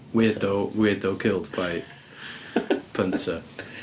Weirdo weirdo killed by punter.